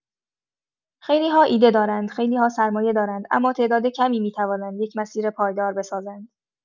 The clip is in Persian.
خیلی‌ها ایده دارند، خیلی‌ها سرمایه دارند، اما تعداد کمی می‌توانند یک مسیر پایدار بسازند.